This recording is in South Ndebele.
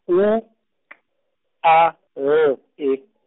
U, Q, A, L, E.